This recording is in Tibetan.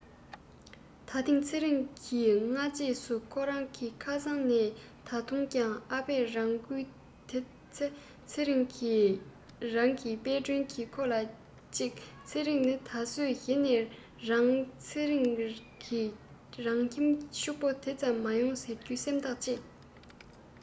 ད ཐེངས ཚེ རིང གིས སྔ རྗེས སུ ཁོ རང གི ཁ སང ནས ད དུང ཀྱང ཨ ཕས རང འགུལ དེའི ཚེ ཚེ རིང གི རང གི དཔལ སྒྲོན གྱིས ཁོ ལ གཅིག ཚེ རིང ནི ད གཟོད གཞི ནས རང ཚེ རིང གི རང ཁྱིམ ཕྱུག པོ དེ ཙམ མ ཡོང ཟེར རྒྱུའི སེམས ཐག བཅད